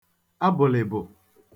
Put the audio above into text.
abụ̀lị̀bụ̀